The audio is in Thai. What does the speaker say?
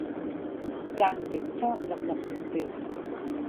กลางดึกชอบหลับหลับตื่นตื่น